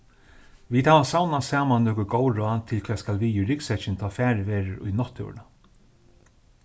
vit hava savnað saman nøkur góð ráð til hvat skal við í ryggsekkin tá farið verður í náttúruna